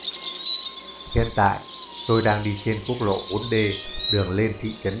hiện tại tôi đang đi trên quốc lộ d đường lên thị trấn sapa